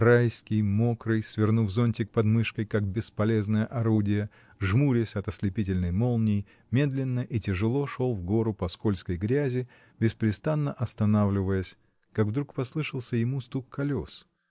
Райский, мокрый, свернув зонтик под мышкой, как бесполезное орудие, жмурясь от ослепительной молнии, медленно и тяжело шел в гору по скользкой грязи, беспрестанно останавливаясь, как вдруг послышался ему стук колес.